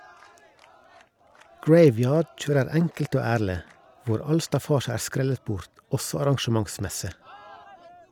Graveyard kjører enkelt og ærlig , hvor all staffasje er skrellet bort også arrangementsmessig.